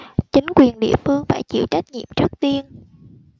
chính quyền địa phương phải chịu trách nhiệm trước tiên